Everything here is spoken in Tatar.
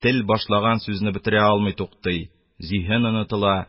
Тел башлаган сүзне бетерә алмый туктый, зиһен онытыла